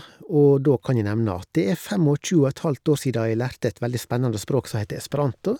Og da kan jeg nevne at det er fem og tjue og et halvt år sia jeg lærte et veldig spennende språk som heter esperanto.